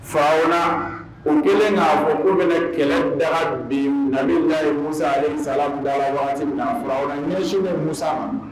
Fauna ko kelen k'a fɔ ko bɛ kɛlɛ dara bi na min ye musasa da waati ɲɛsiw bɛ musa a ma